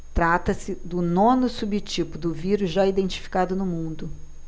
trata-se do nono subtipo do vírus já identificado no mundo